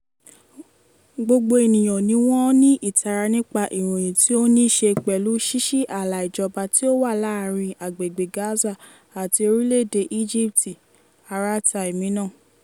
Gbogbo ènìyàn ni wọ́n ní ìtara nípa ìròyìn tí ó níí ṣe pẹ̀lú ṣíṣí ààlà ìjọba tí ó wà láàárín Agbègbè Gaza àti orílẹ̀-èdè Egypt, ara ta èmi náà.